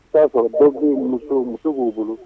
'a sɔrɔ den muso muso b'u bolo